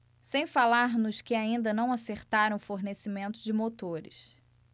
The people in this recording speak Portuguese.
sem falar nos que ainda não acertaram o fornecimento de motores